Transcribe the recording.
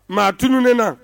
Maa tunun na